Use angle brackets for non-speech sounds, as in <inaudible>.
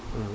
<hesitation> <hesitation>